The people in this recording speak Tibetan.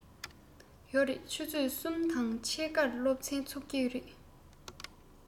ཡོད རེད ཆུ ཚོད གསུམ དང ཕྱེད ཀར སློབ ཚན ཚུགས ཀྱི རེད